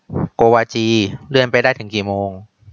โกวาจีเลื่อนไปได้ถึงกี่โมง